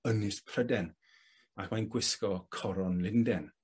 Pryden, ac mae'n gwisgo coron Lunden.